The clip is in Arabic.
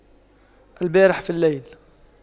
البارحة في الليل